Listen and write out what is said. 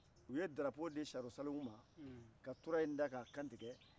u ye drapeau di siyaro saliku ma ka tura in da k'a kan tigɛ